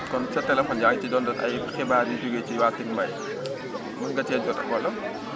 kon sa téléphone yaa ngi ci doon jot ay xibaar yu jógee ci waa tic mbay mos nga cee jot wala